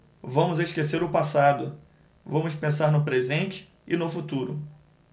vamos esquecer o passado vamos pensar no presente e no futuro